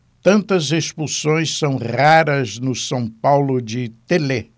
tantas expulsões são raras no são paulo de telê